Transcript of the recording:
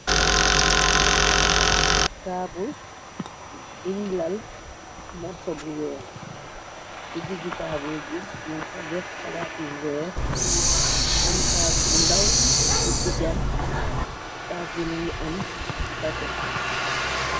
taabul binj lal morsoh bu weex si digi tabul bi nyung fa def palati weer am kas bu ndaw si digam kas bi mungi am café